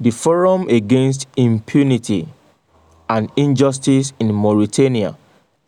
The Forum Against Impunity and Injustice in Mauritania